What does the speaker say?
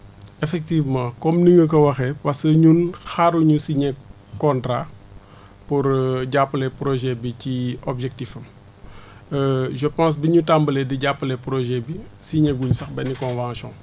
effectivement comme ni nga ko waxee parce que ñun xaaru ñu signer contrat pour jàppale projet bi ci objectif am je pense bi ñu tàmbalee di jàppale projet bi signé gu ñu sax benn convention